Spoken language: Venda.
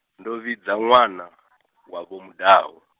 ndo vhidza ṅwana, wa Vho Mudau.